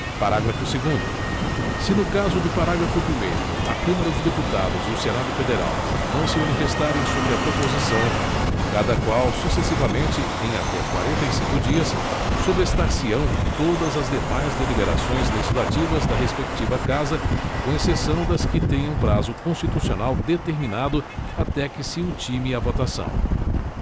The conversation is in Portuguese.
parágrafo segundo se no caso do parágrafo primeiro a câmara dos deputados e o senado federal não se manifestarem sobre a proposição cada qual sucessivamente em até quarenta e cinco dias sobrestar se ão todas as demais deliberações legislativas da respectiva casa com exceção das que tenham prazo constitucional determinado até que se ultime a votação